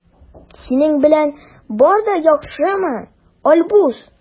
Синең белән бар да яхшымы, Альбус?